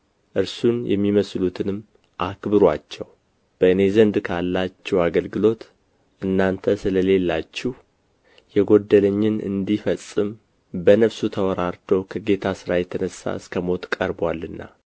እርሱን የሚመስሉትንም አክብሩአቸው በእኔ ዘንድ ካላችሁ አገልግሎት እናንተ ስለሌላችሁ የጎደለኝን እንዲፈጽም በነፍሱ ተወራርዶ ከጌታ ሥራ የተነሣ እስከ ሞት ቀርቦአልና